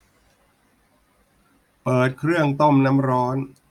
เปิดเครื่องต้มน้ำร้อน